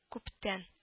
Күптән